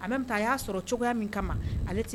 En même temps a ya sɔrɔ cogoya min kama ale